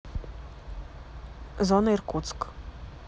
зона иркутск